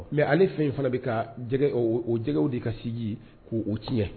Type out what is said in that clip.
Mɛ ale fɛn fana bɛ ka jɛgɛw de ka sigiji k' o tiɲɛ